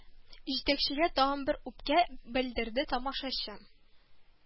Җитәкчегә тагын бер үпкә белдерде тамашачы